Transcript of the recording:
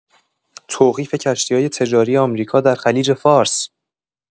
توقیف کشتی‌های تجاری آمریکا در خلیج‌فارس!